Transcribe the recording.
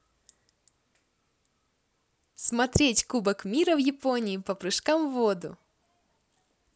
смотреть кубок мира в японии по прыжкам в воду